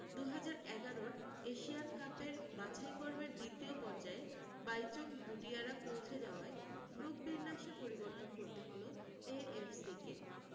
দু হাজার এগারর এশিয়ান কাপের বাছাই পর্বের দ্বিতীয় পর্যায়ে বাইচুং ভুটিয়ারা পোঁছে যাওয়ায় গ্রুপ বিন্যাসে পরিবর্তন করতে হল এএফসি কে